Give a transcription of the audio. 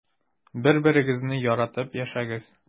Бер-берегезне яратып яшәгез.